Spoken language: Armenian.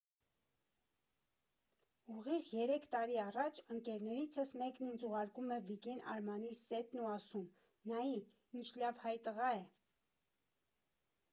Ուղիղ երեք տարի առաջ ընկերներիցս մեկն ինձ ուղարկում է Վիգեն Արմանի սեթն ու ասում՝ նայի, ինչ լավ հայ տղա է։